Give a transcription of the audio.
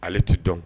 Ale tɛi dɔn